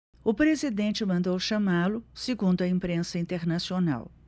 o presidente mandou chamá-lo segundo a imprensa internacional